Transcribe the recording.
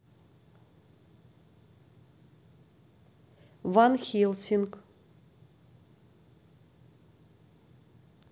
ван хелсинг